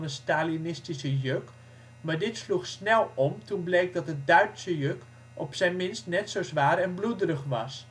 Stalinistische juk maar dit sloeg snel om toen bleek dat het Duitse juk op zijn minst net zo zwaar en bloederig was